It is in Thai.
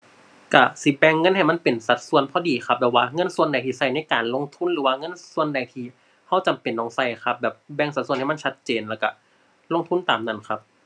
ก็สิแบ่งเงินให้มันเป็นสัดส่วนพอดีครับ ระหว่างเงินส่วนไหนที่ก็ในการลงทุนหรือว่าเงินส่วนไหนที่ก็จำเป็นต้องก็ครับ แบบแบ่งสัดส่วนให้มันชัดเจนแล้วก็ลงทุนตามนั้นครับ